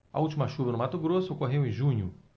a última chuva no mato grosso ocorreu em junho